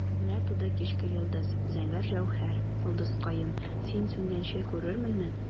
Менә туды кичке йолдыз, зәңгәр җәүһәр, йолдызкаем, син сүнгәнче күрерменме?